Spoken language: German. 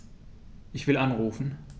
Ich will anrufen.